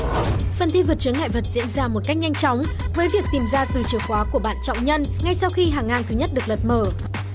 phần thi vượt chướng ngại vật diễn ra một cách nhanh chóng với việc tìm ra từ chìa khóa của bạn trọng nhân ngay sau khi hàng ngang thứ nhất được lật mở